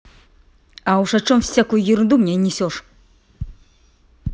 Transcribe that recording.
а уж о чем всякую ерунду мне несешь